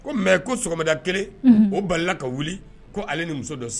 Ko mɛ ko sɔgɔmada kelen o bali ka wuli ko hali ni muso dɔ se